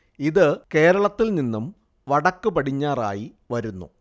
ഇത് കേരളത്തിൽ നിന്നും വടക്ക് പടിഞ്ഞാറായി വരുന്നു